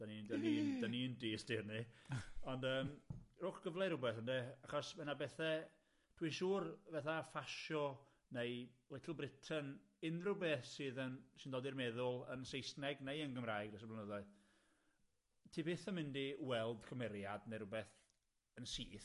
'dan ni'n 'dan ni'n 'dan ni'n dyst i hynny ond yym rhowch gyfle i rwbeth ynde achos ma' na bethe dwi'n siŵr fatha Fast Show neu Little Britain unrhyw beth sydd yn sy'n dod i'r meddwl yn Saesneg neu yn Gymraeg dros y blynyddoedd ti byth yn mynd i weld cymeriad ne' rwbeth yn syth.